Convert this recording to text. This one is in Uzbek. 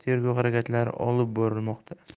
harakatlari olib borilmoqda